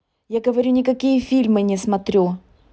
я говорю никакие фильмы не смотрю